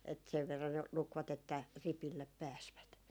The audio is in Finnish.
että sen verran ne lukivat että ripille pääsivät